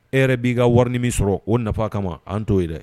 E yɛrɛ b'i ka wariin min sɔrɔ o nafa kama ma an t'o ye dɛ